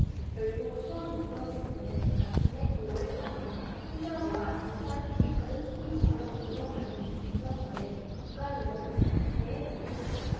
결국 수원인권센터는 같은 해 구 월 삼 일 행자부와 인사혁신처를 피진정인으로 하는 진성서를 국가인권위원회에 제출했다